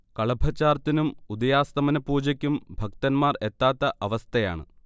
കളഭച്ചാർത്തിനും ഉദയാസ്തമന പൂജക്കും ഭക്തന്മാർ എത്താത്ത അവസ്ഥയാണ്